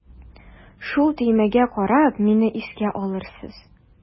Шул төймәгә карап мине искә алырсыз.